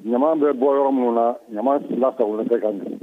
Ɲama bɛ bɔ yɔrɔ minnu na ɲama si ka u se ka minɛ